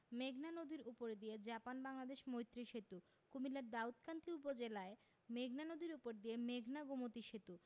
মেঘনা নদীর উপর দিয়ে জাপান বাংলাদেশ মৈত্রী সেতু কুমিল্লার দাউদকান্দি উপজেলায় মেঘনা নদীর উপর দিয়ে মেঘনা গোমতী সেতু